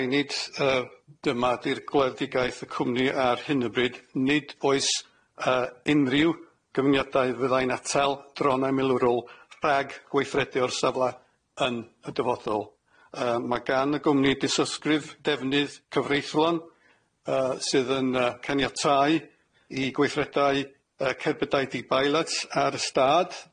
Ie er mai nid yy dyma ydi'r gwledigaeth y cwmni ar hyn o bryd nid oes yy unrhyw gyfniaadau fyddai'n atal dronau milwrol rhag gweithredio'r safle yn y dyfodol yy ma' gan y gwmni dysysgrif defnydd cyfreithlon yy sydd yn yy caniatáu i gweithredau yy cerbydau di-bailots ar y stad.